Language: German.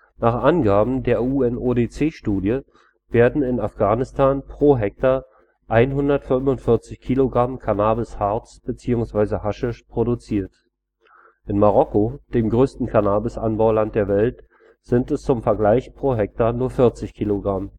Nach Angaben der UNODC-Studie werden in Afghanistan pro Hektar 145 Kilogramm Cannabis-Harz bzw. Haschisch produziert. In Marokko, dem größten Cannabisanbauland der Welt, sind es zum Vergleich pro Hektar nur 40 Kilogramm